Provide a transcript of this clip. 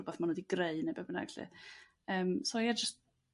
rh'wbath ma' nhw 'di greu ne' be' bynnag 'lly yrm so ia jys'